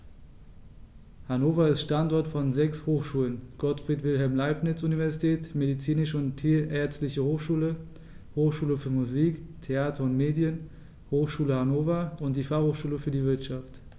Hannover ist Standort von sechs Hochschulen: Gottfried Wilhelm Leibniz Universität, Medizinische und Tierärztliche Hochschule, Hochschule für Musik, Theater und Medien, Hochschule Hannover und die Fachhochschule für die Wirtschaft.